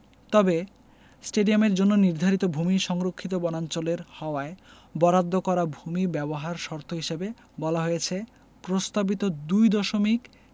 তবে স্টেডিয়ামের জন্য নির্ধারিত ভূমি সংরক্ষিত বনাঞ্চলের হওয়ায় বরাদ্দ করা ভূমি ব্যবহার শর্ত হিসেবে বলা হয়েছে প্রস্তাবিত ২ দশমিক